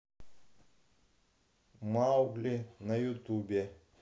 маугли на ютубе